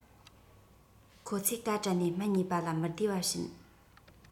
ཁོ ཚོས གཱ དྲད ནས སྨན ཉོས པ ལ མི བདེ བ བྱིན